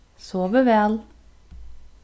sovið væl